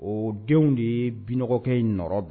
O denw de ye binɔgɔkɛ in nɔɔrɔ bɛɛ